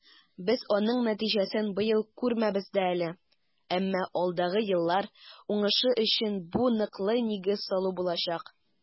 Без аның нәтиҗәсен быел күрмәбез дә әле, әмма алдагы еллар уңышы өчен бу ныклы нигез салу булачак.